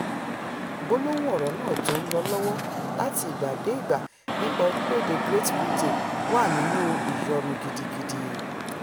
Gbólóhùn ọ̀rọ̀ náà tó ńlọ lọ́wọ́ láti ìgbà dé ìgbà nipé orilẹ̵-ede Great Britain wà nínú ìyọnu gidigidi.